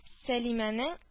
Сәлимәнең